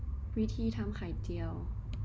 วิธีีทำไข่เจียว